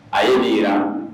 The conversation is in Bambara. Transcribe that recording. A ye ni jira